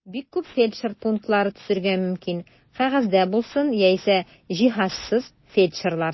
Бик күп фельдшер пунктлары төзергә мөмкин (кәгазьдә булсын яисә җиһазсыз, фельдшерларсыз).